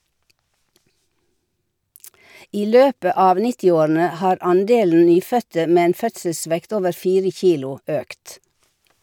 I løpet av nittiårene har andelen nyfødte med en fødselsvekt over fire kilo økt.